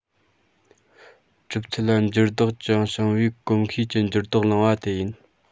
གྲུབ ཚུལ ལ འགྱུར ལྡོག ཅུང བྱུང བས གོམས གཤིས ཀྱི འགྱུར ལྡོག བསླངས པ དེ ཡིན